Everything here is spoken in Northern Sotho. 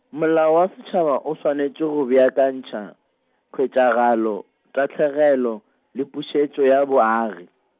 molao wa setšhaba o swanetše go beakantšha , khwetšagalo, tahlegelo, le pušetšo ya boagi.